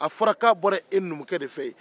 a fɔra k'a bɔra e numukɛ de fɛ yen